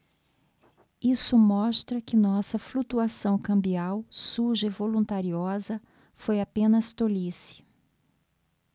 isso mostra que nossa flutuação cambial suja e voluntariosa foi apenas tolice